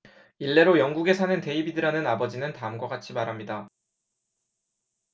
일례로 영국에 사는 데이비드라는 아버지는 다음과 같이 말합니다